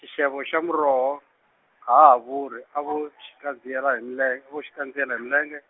xixevo xa muroho, a ha ha vuri, a vo xikandziyela hi mile-, vo xikandziyela hi milenge.